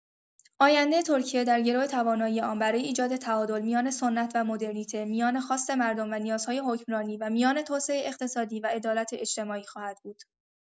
آینده ترکیه در گرو توانایی آن برای ایجاد تعادل میان سنت و مدرنیته، میان خواست مردم و نیازهای حکمرانی و میان توسعه اقتصادی و عدالت اجتماعی خواهد بود.